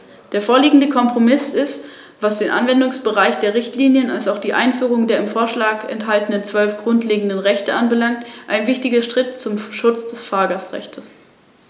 Der Rat hätte sich um einen gemeinsamen Standpunkt bemühen müssen, und vielleicht hätte er sich, unter Berücksichtigung der Anzahl der Anmeldungen und der am meisten benutzten Sprache, mehr für die Verwendung einer Sprache einsetzen müssen, damit wir auf den globalen Märkten konkurrenzfähiger werden.